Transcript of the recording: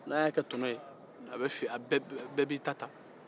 n'a y'a kɛ tɔnɔ ye bɛ b'i-bɛ b'i ta